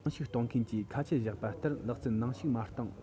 ནང བཤུག གཏོང མཁན གྱིས ཁ ཆད བཞག པ ལྟར ལག རྩལ ནང བཤུག མ བཏང